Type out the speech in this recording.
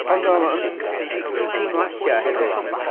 Ond oedd o'n... dw- dwi'n teimlo alle hefyd...